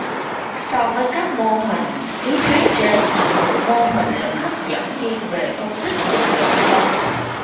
so với các mô hình lý thuyết trên mô hình lực hấp dẫn nghiêng về phân tích định lượng hơn